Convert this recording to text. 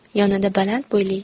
yonida baland bo'yli